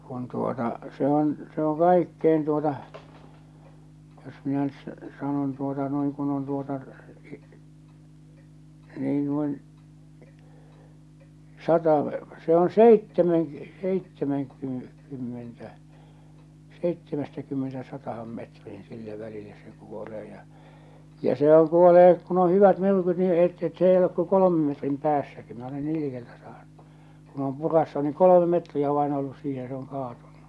kun tuota se on se on kaikkein tuota jos minä nyt - sanon tuota noin kun on tuota niin noin sata se on -- seitsemänkymmentä seitsemästäkymmenestä sataan metriin sillä välillä se kuolee ja ja sehän kuolee kun on hyvät myrkyt niin - se ei ole kuin kolmen metrin päässäkin minä olen niin likeltä saanut kun on puraissut niin kolme metriä vain ollut siihen se on kaatunut